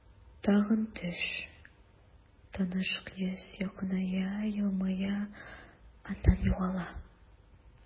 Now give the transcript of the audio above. Тагын төш, таныш йөз якыная, елмая, аннан югала.